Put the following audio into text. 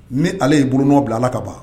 Ni ala y'i bolon bila ala kaban